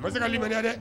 Ma se ka limaniya dɛ